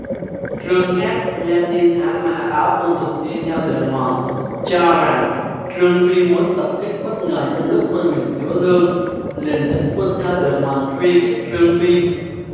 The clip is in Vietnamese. trương cáp nghe tin thám mã báo quân thục đi theo đường mòn cho rằng trương phi muốn tập kích bất ngờ nhân lúc quân mình thiếu lương liền dẫn quân theo đường mòn truy kích trương phi